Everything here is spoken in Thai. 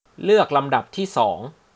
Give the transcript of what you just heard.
เลือกลำดับที่สอง